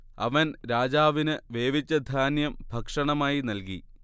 അവൻ രാജാവിന് വേവിച്ച ധാന്യം ഭക്ഷണമായി നൽകി